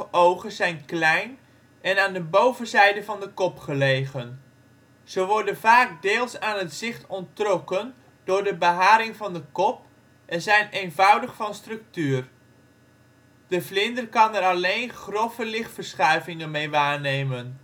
ogen zijn klein en aan de bovenzijde van de kop gelegen. Ze worden vaak deels aan het zicht onttrokken door de beharing van de kop en zijn eenvoudig van structuur; de vlinder kan er alleen grove lichtverschuivingen mee waarnemen